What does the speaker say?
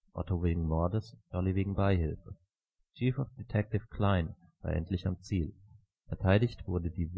Otto wegen Mordes, Dolly wegen Beihilfe. Chief of Detectives Cline war endlich am Ziel. Verteidigt wurde die